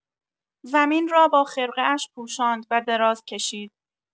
زمین را با خرقه‌اش پوشاند و دراز کشید.